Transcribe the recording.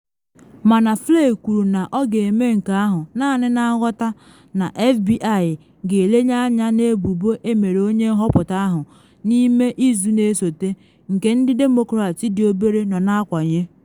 Mana Flake kwuru na ọ ga-eme nke ahụ naanị na nghọta na FBI ga-elenye anya na ebubo emere onye nhọpụta ahụ n’ime izu na esote, nke ndị Demokrats dị obere nọ na akwanye.